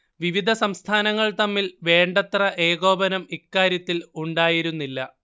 വിവിധ സംസ്ഥാനങ്ങൾ തമ്മിൽ വേണ്ടത്ര ഏകോപനം ഇക്കാര്യത്തിൽ ഉണ്ടായിരുന്നില്ല